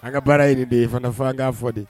An ka baara yɛrɛ de ye fanafankan fɔ de